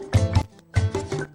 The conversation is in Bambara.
Sanunɛ